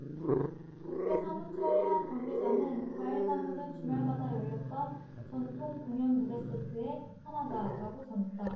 국회 사무처의 한 관계자는 과일나무는 주말마다 열렸던 전통공연 무대세트의 하나다라고 전했다